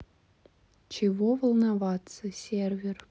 чего волноваться сервер